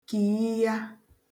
kìiya